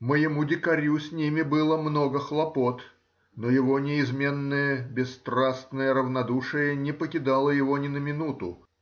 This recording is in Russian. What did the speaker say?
Моему дикарю с ними было много хлопот, но его неизменное бесстрастное равнодушие не покидало его ни на минуту